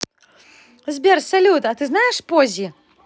сбер салют а ты знаешь поззи